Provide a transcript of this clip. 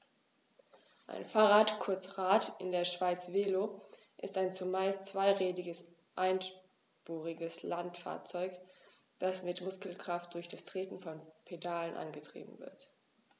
Ein Fahrrad, kurz Rad, in der Schweiz Velo, ist ein zumeist zweirädriges einspuriges Landfahrzeug, das mit Muskelkraft durch das Treten von Pedalen angetrieben wird.